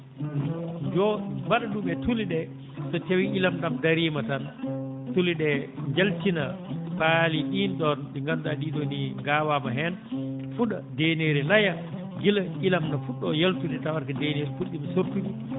jo mbaɗa ɗum e tule ɗee so tawii ilam ɗam dariima tan tule ɗee njaltina paali ɗiin ɗoon ɗi ngannduɗaa ɗii ɗoo nii ngaawaama heen fuɗa ndeeneeri laya gila ilam no fuɗɗoo yaltude tawata ko ndeeneeri fuɗɗiima sottude